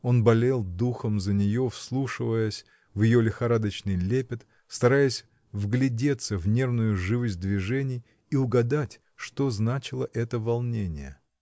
Он болел духом за нее, вслушиваясь в ее лихорадочный лепет, стараясь вглядеться в нервную живость движений и угадать, что значило это волнение.